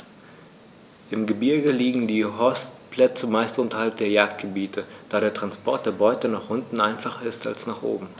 Im Gebirge liegen die Horstplätze meist unterhalb der Jagdgebiete, da der Transport der Beute nach unten einfacher ist als nach oben.